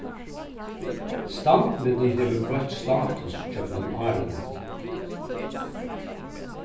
standmyndin hevur broytt status gjøgnum árini